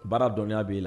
Baara dɔnya a bɛ la